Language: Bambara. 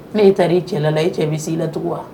Ne' ta i cɛla la i cɛ i bɛ si i la tugun wa